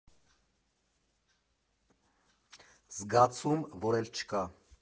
Զգացում, որ էլ չկա…